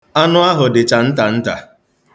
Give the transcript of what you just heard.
Anụ ahụ dịcha nta nta.